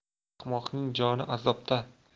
ahmoqning joni azobda